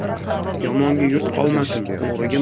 yomonga yurt qolmasin o'g'riga mol